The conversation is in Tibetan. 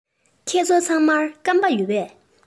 ཁྱེད ཚོ ཚང མར སྐམ པ ཡོད པས